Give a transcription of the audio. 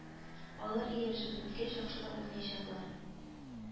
Алар ияләшеп беткәч, яхшырак уйнаячаклар